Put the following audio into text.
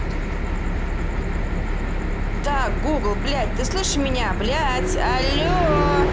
так google блять ты слышишь меня блять алло